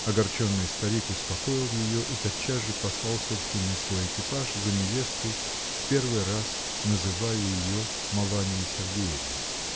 Огорченный старик успокоил ее и тотчас же послал собственный свой экипаж за невесткой, в первый раз называя ее Маланьей Сергеевной.